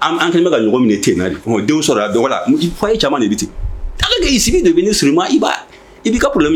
An kɛlen bɛka ka ɲɔgɔn min ten den sɔrɔ a dɔgɔ fɔ ye caman de bɛ ten'i sigi de bɛ ni s ma i i b'i ka min